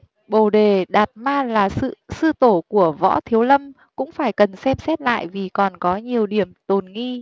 bồ đề đạt ma là sư sư tổ của võ thiếu lâm cũng phải cần xem xét lại vì còn có nhiều điểm tồn nghi